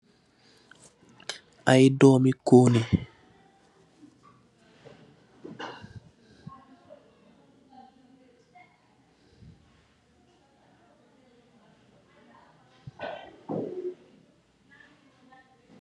Aye doomi koani.